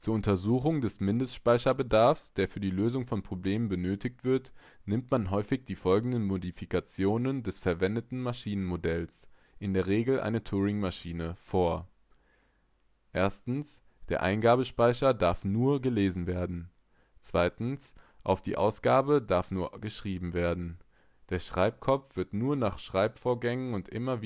Untersuchung des Mindestspeicherbedarfs, der für die Lösung von Problemen benötigt wird, nimmt man häufig die folgenden Modifikationen des verwendeten Maschinenmodells (in der Regel eine Turingmaschine) vor: Der Eingabespeicher darf nur gelesen werden. Auf die Ausgabe darf nur geschrieben werden. Der Schreibkopf wird nur nach Schreibvorgängen und immer